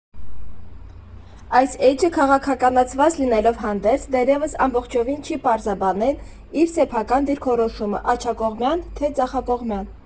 Այս էջը քաղաքականացված լինելով հանդերձ՝ դեռևս ամբողջովին չի պարզաբանել իր սեփական դիրքորոշումը՝ աջակողմյան, թե ձախակողմյան։